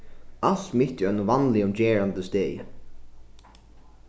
alt mitt í einum vanligum gerandisdegi